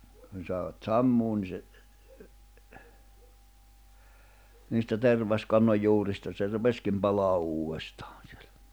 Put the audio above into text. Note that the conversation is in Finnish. kun saivat sammumaan niin se niistä tervaskannon juurista se rupesikin palamaan uudestaan silloin